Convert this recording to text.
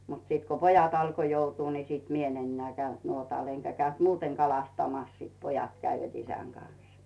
mutta sitten kun pojat alkoi joutua niin sitten minä en enää käynyt nuotalla enkä käynyt muuten kalastamassa sitten pojat kävivät isän kanssa